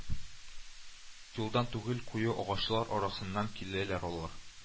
Юлдан түгел, куе агачлар арасыннан киләләр алар